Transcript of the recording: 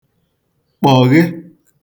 kpọ̀ghe